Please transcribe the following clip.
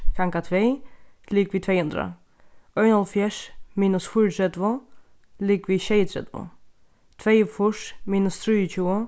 ganga tvey ligvið tvey hundrað einoghálvfjerðs minus fýraogtretivu ligvið sjeyogtretivu tveyogfýrs minus trýogtjúgu